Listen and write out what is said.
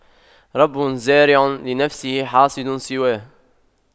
رب زارع لنفسه حاصد سواه